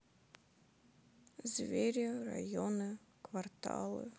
звери районы кварталы